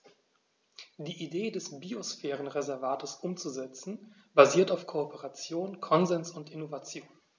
Die Idee des Biosphärenreservates umzusetzen, basiert auf Kooperation, Konsens und Innovation.